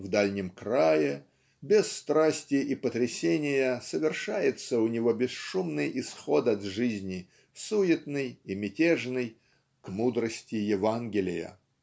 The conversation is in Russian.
в "Дальнем крае") без страсти и потрясения совершается у него бесшумный исход от жизни суетной или мятежной к мудрости Евангелия.